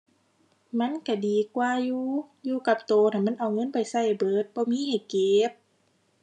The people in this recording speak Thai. มันก็ดีกว่าอยู่ อยู่กับก็นั่นมันเอาเงินไปก็เบิด บ่มีให้เก็บ